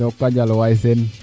njokonjal waay Sene